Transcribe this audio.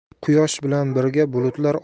quyosh bilan birga butalar